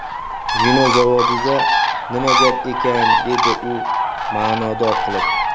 vino zavodida nima gap ekan dedi u ma'nodor qilib